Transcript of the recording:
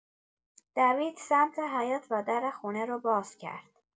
دوید سمت حیاط و در خونه رو باز کرد.